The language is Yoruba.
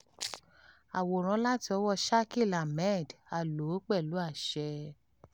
Àwòrán láti ọwọ́ọ Shakil Ahmed. A lò ó pẹlú àṣẹ.